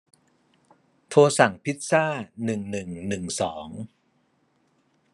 โทรสั่งพิซซ่าหนึ่งหนึ่งหนึ่งสอง